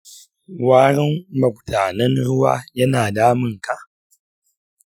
warin magudanan ruwa yana damunka?